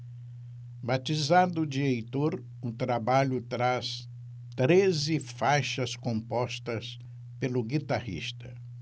batizado de heitor o trabalho traz treze faixas compostas pelo guitarrista